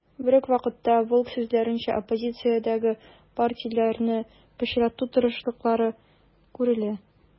Берүк вакытта, Волк сүзләренчә, оппозициядәге партияләрне пычрату тырышлыклары күрелә.